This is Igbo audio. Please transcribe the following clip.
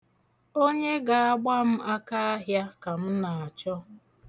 Onye ga-agba m akaahịa ka m na-achọ.